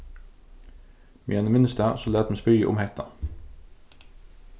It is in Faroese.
meðan eg minnist tað so lat meg spyrja um hetta